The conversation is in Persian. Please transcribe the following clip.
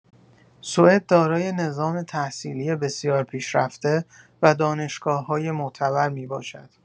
سوئد دارای نظام تحصیلی بسیار پیشرفته و دانشگاه‌‌های معتبر می‌باشد.